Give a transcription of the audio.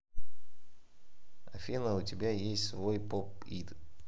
афина у тебя есть свой pop it